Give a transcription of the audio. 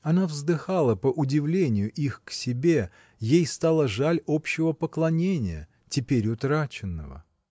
Она вздыхала по удивлению их к себе, ей стало жаль общего поклонения, теперь утраченного!